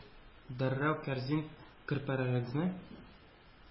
Дәррәү кәрзин, көрпәләрегезне